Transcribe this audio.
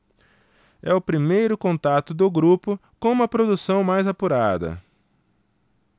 é o primeiro contato do grupo com uma produção mais apurada